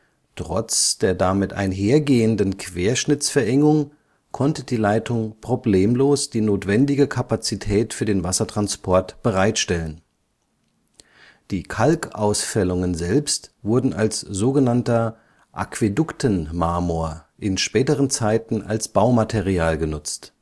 Trotz der damit einhergehenden Querschnittsverengung konnte die Leitung problemlos die notwendige Kapazität für den Wassertransport bereitstellen. Die Kalkausfällungen selbst wurden als sogenannter Aquäduktenmarmor in späteren Zeiten als Baumaterial genutzt